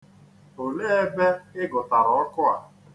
Olee ebe ị gụtara ọkụ a?